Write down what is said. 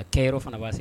Kɛyɔrɔ fana b'a